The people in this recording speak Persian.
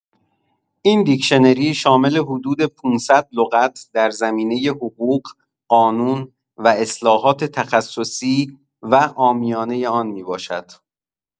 این دیکشنری شامل حدود ۵۰۰ لغت در زمینه حقوق، قانون و اصلاحات تخصصی و عامیانه آن می‌باشد.